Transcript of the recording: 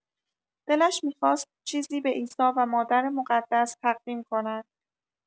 دلش می‌خواست چیزی به عیسی و مادر مقدس تقدیم کند.